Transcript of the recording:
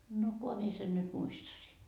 no kunhan minä sen nyt muistaisin